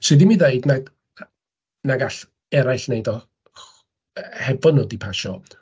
Sy ddim i ddeud nag... na gall eraill wneud o heb fod nhw 'di pasio.